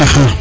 axa